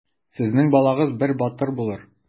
Сезнең балагыз бер батыр булыр.